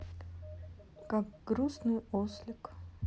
как грустный ослик